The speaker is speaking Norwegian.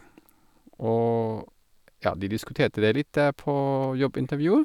Og, ja, de diskuterte det litt der på jobbintervjuet.